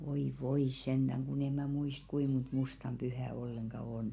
voi voi sentään kun en minä muista kuinka monta mustan pyhää ollenkaan on